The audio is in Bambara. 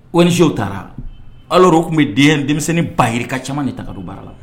ONG taara alors o tun bɛ den denmisɛnnin bayirika ca de taga don baara la.